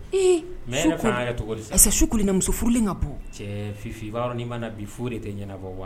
Ee mɛ ne fana cogo ayisa su ko na muso furulen ka bon cɛ fiɔrɔnin mana na bi foyi de tɛ ɲɛnabɔ wa